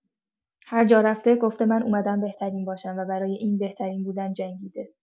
هر جا رفته، گفته من اومدم بهترین باشم، و برای این بهترین بودن جنگیده.